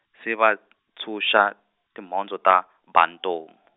se va , ntshunxa, timhondzo ta, Bantomu.